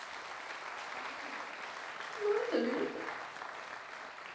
ну это лето